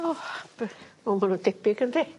O by- o ma' n'w debyg yndi?